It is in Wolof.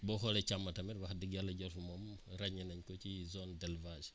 boo xoolee càmm tamit wax dëgg yàlla jafe moom ràññe nañu ko ci zone d' élevage